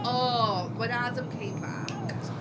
Oh, when Adam came back... Yes